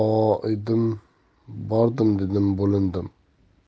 boidim dedim bo'lindim